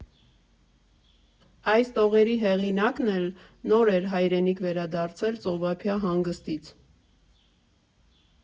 Այս տողերի հեղինակն էլ նոր էր հայրենիք վերադարձել ծովափնյա հանգստից։